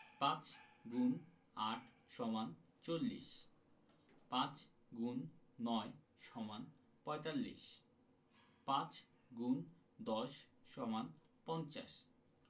৫× ৮ = ৪০ ৫x ৯ = ৪৫ ৫×১০ = ৫০